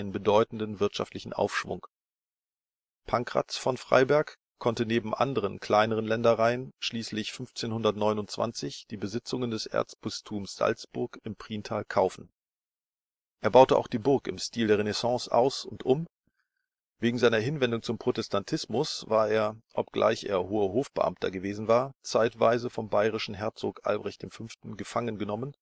bedeutenden wirtschaftlichen Aufschwung. Pankraz von Freyberg konnte neben anderen kleineren Ländereien schließlich 1529 die Besitzungen des Erzbistums Salzburg im Priental kaufen. Er baute auch die Burg im Stil der Renaissance aus und um. Wegen seiner Hinwendung zum Protestantismus war er, obgleich er hoher Hofbeamter gewesen war, zeitweise vom bayerischen Herzog Albrecht V. gefangen genommen